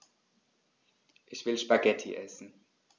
Ich will Spaghetti essen.